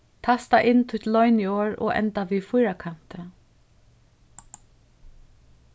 tasta inn títt loyniorð og enda við fýrakanti